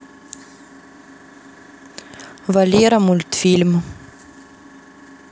валера мультфильм